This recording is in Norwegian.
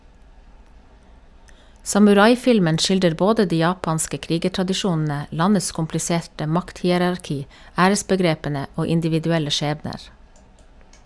Samuraifilmen skildrer både de japanske krigertradisjonene, landets kompliserte makthierarki, æresbegrepene og individuelle skjebner.